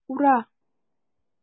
Ура!